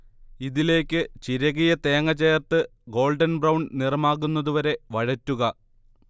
ഇതിലേക്ക് ചിരകിയ തേങ്ങ ചേർത്ത് ഗോൾഡൻ ബ്രൌൺ നിറമാകുന്നതുവരെ വഴറ്റുക